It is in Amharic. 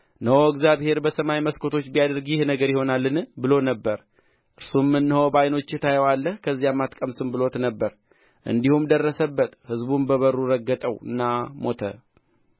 እነሆ እግዚአብሔር በሰማይ መስኮቶች ቢያደርግ ይህ ነገር ይሆናልን ብሎ ነበር እርሱም እነሆ በዓይኖችህ ታየዋለህ ከዚያም አትቀምስም ብሎት ነበር እንዲሁም ደረሰበት ሕዝቡም በበሩ ረገጠውና ሞተ